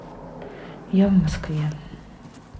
я в москве